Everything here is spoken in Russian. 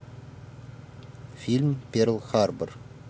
фильм перл харбор